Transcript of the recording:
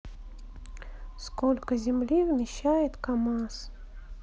сколько земли вмещает камаз